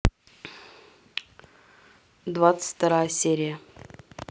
двадцать вторая серия